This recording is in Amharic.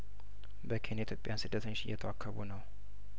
በኬኒያ ኢትዮጵያን ስደተኞች እየተዋከቡ ነው